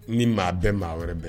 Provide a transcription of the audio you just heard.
Ni maa bɛɛ mɔgɔ wɛrɛ bɛn